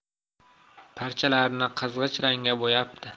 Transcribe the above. parchalarini qizg'ish rangga bo'yabdi